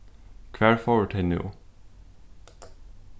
hvar fóru tey nú